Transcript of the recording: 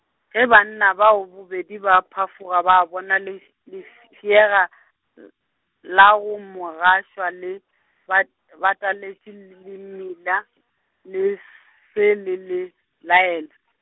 ge banna bao bobedi ba phafoga ba bona lef-, lefšega, l- la go Mogašwa le, ba bataletše l- le mmila , le se le le, laela.